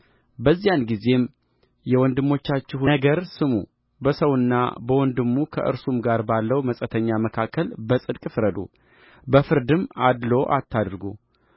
በዚያን ጊዜም የወንድሞቻችሁን ነገር ስሙ በሰውና በወንድሙ ከእርሱም ጋር ባለው መጻተኛ መካከል በጽድቅ ፍረዱበፍርድም አድልዎ አታድርጉ